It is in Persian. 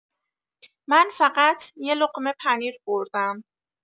من فقط یه لقمه پنیر خوردم.